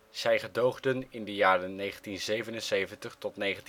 Zij gedoogden in de jaren 1977-1981 het